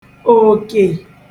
òkè